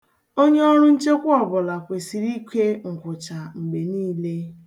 Onye ọrụ nchekwa ọbụla kwesịrị ike nkwụcha mgbe niile.